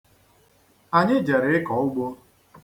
Anyị jere ịkọ ugbo.